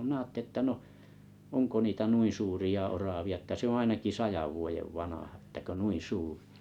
minä ajattelin että onko niitä noin suuria oravia että on ainakin sadan vuoden vanha että kun noin suuri